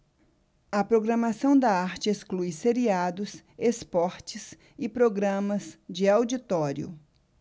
a programação da arte exclui seriados esportes e programas de auditório